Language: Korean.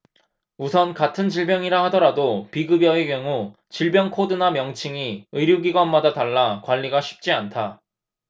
우선 같은 질병이라 하더라도 비급여의 경우 질병 코드나 명칭이 의료기관마다 달라 관리가 쉽지 않다